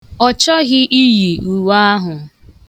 Ọ chọghị iyi uwe ahụ.